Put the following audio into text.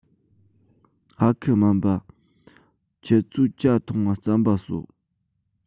ཨ ཁུ སྨན པ ཁྱེད ཆོས ཇ ཐུངས ང རྩམ པ ཟོ